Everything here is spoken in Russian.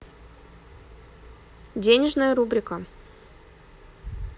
денежная рубрика